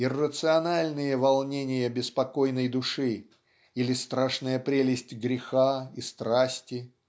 иррациональные волнения беспокойной души или страшная прелесть греха и страсти.